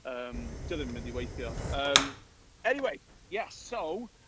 Yym, dio ddim yn mynd i weithio. Yym. Eniwe, ie so…